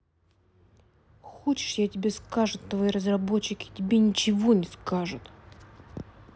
хочешь я тебе скажут твои разработчики тебе ничего не скажут